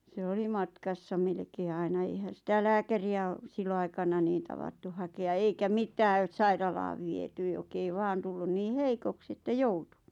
se oli matkassa melkein aina eihän sitä lääkäriä - silloinaikana niin tavattu hakea eikä mitään sairaalaan viety joka ei vain tullut niin heikoksi että joutui